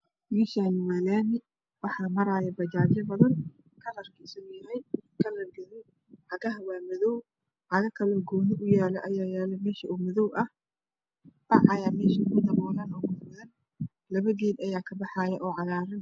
Meeshaani waa laami waxaa maraayo bajaajyo badan kalarkiisa yahay kalar guduud cagaha waa madow cago kale oo gooni uyaalo ayaa yaalo meesha oo gooni ah bac ayaa meesha ku daboolan oo gaduudan labo geed ayaa ka baxaayo oo cagaaran